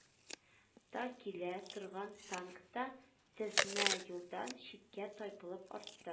Та килә торган танк та, тезмә юлдан читкә тайпылып, арты